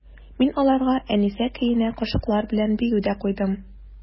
Мин аларга «Әнисә» көенә кашыклар белән бию дә куйдым.